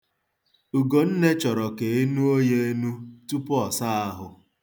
Ugonne chọrọ ka e nuo ya enu tupu ọ saa ahụ.